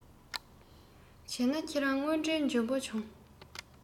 བྱས ན ཁྱེད རང དངོས འབྲེལ འཇོན པོ བྱུང